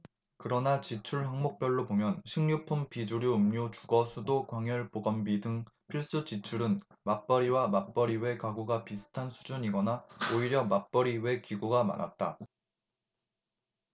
그러나 지출 항목별로 보면 식료품 비주류음료 주거 수도 광열 보건비 등 필수 지출은 맞벌이와 맞벌이 외 가구가 비슷한 수준이거나 오히려 맞벌이 외 가구가 많았다